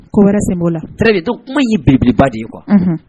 Ko wɛrɛ sen b'o la kuma ye bbba de ye kuwa